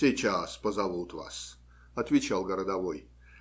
Сейчас позовут вас, - отвечал городовой.